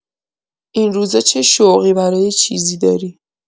این روزا چه شوقی برای چیزی داری؟